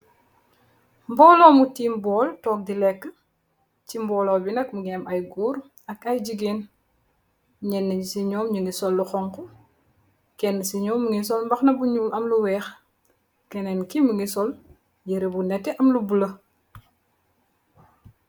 Mboolo mu tim bol tog di lekeu ci mbolo mi nak mungi am ay goor ak ay jigeen nyeneu nyi ci nyom nyu ngi sol lu xonxu kenue si nyom mungi sol mbakhana bu nyoul am lu weex kenen ki mungi sol yereh bu netwh am lu bulo.